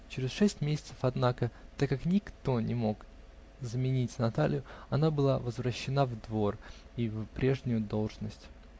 Через шесть месяцев, однако, так как никто не мог заменить Наталью, она была возвращена в двор и в прежнюю должность.